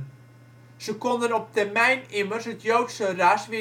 konden op termijn immers het Joodse ras